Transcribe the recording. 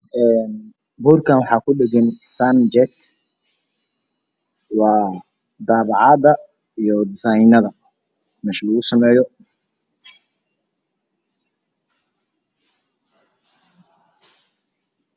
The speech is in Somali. Borkanwaxa kudhegan sanjet waa dawacada iyo disaanada mesha Lagusameyo